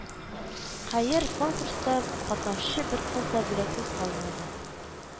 Хәер, конкурста катнашучы бер кыз да бүләксез калмады